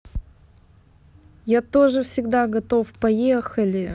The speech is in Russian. я тоже всегда готов поехали